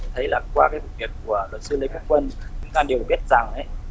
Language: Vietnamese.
thấy qua các vụ kiện của luật sư lê quốc quân chúng ta đều biết rằng ấy